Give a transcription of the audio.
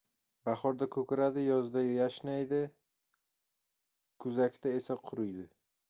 bahorda ko'karadi yozda yashnaydi kuzakda esa quriydi